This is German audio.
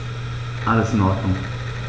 Alles in Ordnung.